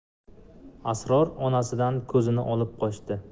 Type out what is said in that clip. asror onasidan ko'zini olib qochdi